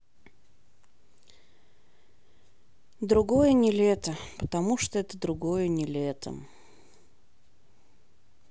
другое нилето потому что это другое не лето